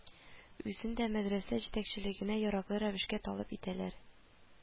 Үзен дә, мәдрәсә җитәкчелегенә яраклы рәвешкә талып итәләр